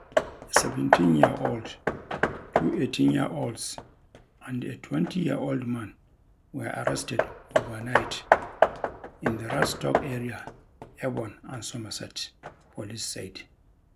A 17-year-old, two 18-year-olds and a 20-year-old man were arrested overnight in the Radstock area, Avon and Somerset Police said.